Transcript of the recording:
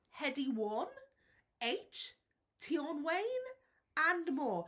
Headie One, Aitch, Tion Wayne and more.